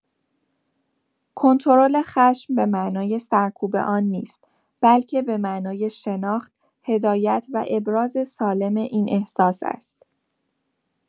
کنترل خشم به معنای سرکوب آن نیست، بلکه به معنای شناخت، هدایت و ابراز سالم این احساس است.